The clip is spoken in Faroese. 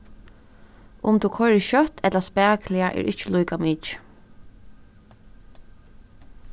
um tú koyrir skjótt ella spakuliga er ikki líkamikið